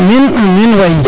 amiin amin waay